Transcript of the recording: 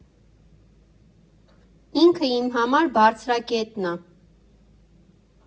Ինքը իմ համար բարձրակետն ա։